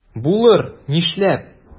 Булыр, нишләп?